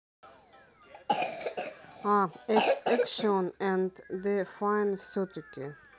а action and define все таки